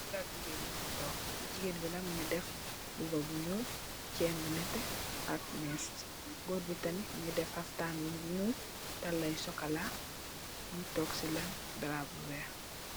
Gór ak jigeen ñu fi tóóg, jigeen bi nak mugii def mbuba bu ñuul cèèn bu netteh ak més . Gór bi tamid mugii def xaptan bu ñuul dalla yu sokola mu tóóg ci lal darap bu wèèx.